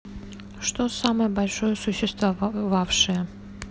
что самое большое существовавшее